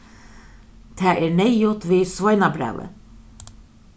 tað er neyðugt við sveinabrævi